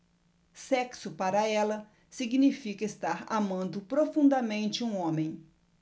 sexo para ela significa estar amando profundamente um homem